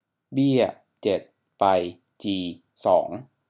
เบี้ยเจ็ดไปจีสอ